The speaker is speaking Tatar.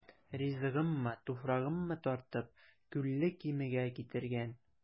Ризыгыммы, туфрагыммы тартып, Күлле Кимегә китергән.